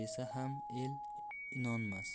desa ham el inonmas